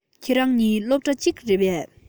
ཁྱེད རང གཉིས སློབ གྲ གཅིག རེད པས